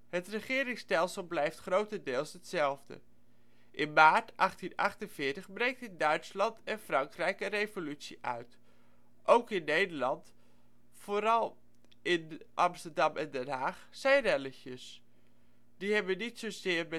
het regeringsstelsel blijft grotendeels hetzelfde. In maart 1848 breekt in Duitsland en Frankrijk een revolutie uit, ook in Nederland (vooral Amsterdam en Den Haag) zijn relletjes. Die hebben niet zozeer